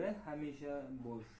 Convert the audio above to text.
biri hamisha bo'sh